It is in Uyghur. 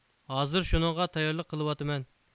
ھازىر شۇنىڭغا تەييارلىق قىلىۋاتىمەن